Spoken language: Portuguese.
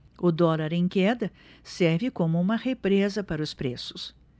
o dólar em queda serve como uma represa para os preços